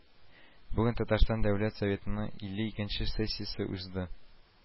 Бүген Татарстан Дәүләт Советының илле икенченче сессиясе узды